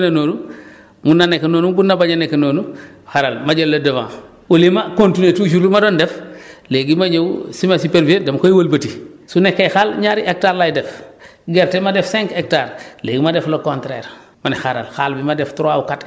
mu ne léegi xaaral comme ren affaire demee na noonu mun na nekk noonu mun na bañ a nekk noonu xaaral ma jël les devant au lieu ma continuer toujours li ma doon def léegi ma ñëw semence * dama koy wëlbati su nekkee xaal ñaari hectares laay def gerte ma def cinq hectares léegi ma def le contraire